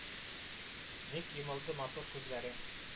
Ник йомылды матур күзләрең